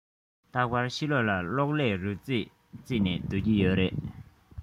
རྟག པར ཕྱི ལོག ལ གློག ཀླད རོལ རྩེད རྩེད ནས སྡོད ཀྱི ཡོད རེད